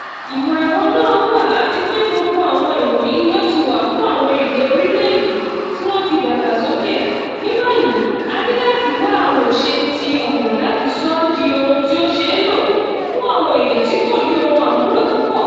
Ìmọ̀ ẹ̀rọ náà wà àti pé gbogbo àwọn ìwọ̀nyí ni ó ti wà fún àwọn èdè orílẹ̀ èdè tí wọ́n ti dàgbà sókè, ní báyìí a ní láti wá àwòṣe ti òwò láti sọ ọ́ dí ohun tí ó ṣeé lò fún àwọn èdè tí kò ní ohun àmúlò púpọ̀.